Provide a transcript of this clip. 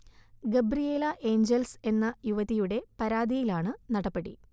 Gabriela Angels എന്ന യുവതിയുടെ പരാതിയിലാണ് നടപടി